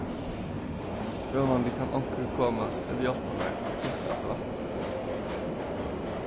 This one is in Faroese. vónandi kann onkur koma at hjálpa mær at turka alt vatnið